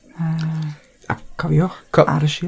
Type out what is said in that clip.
Yyy, a cofiwch, ar y sil-